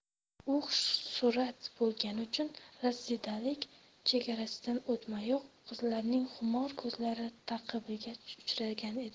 u xushsurat bo'lgani uchun rasidalik chegarasidan o'tmayoq qizlarning xumor ko'zlari ta'qibiga uchragan edi